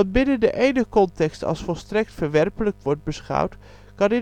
binnen de ene context als volstrekt verwerpelijk wordt beschouwd, kan